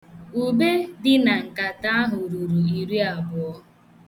Ube dị na nkata ahụ rụrụ iriabụọ.